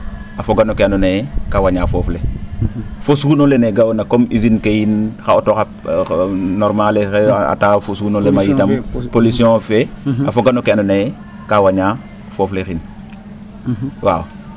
a fogaa no kee andoona yee kaa wañaa woof le ahin fo suun olene ga'oona comme usine ke yiin xa auto xa normale exe a taxa fo suun ole mayitam pollution fee a foga no kee andoona yee kaa wañaa foof le ahin waaw